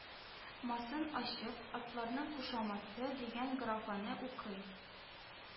Масын ачып, «атларның кушаматы» дигән графаны укый